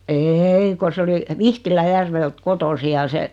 ei kun se oli Vihtilänjärveltä kotoisin ja se